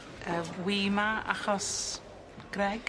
Yy wi 'ma achos Greg?